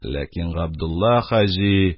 Ләкин Габдулла хаҗи